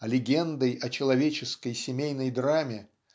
а легендой о человеческой семейной драме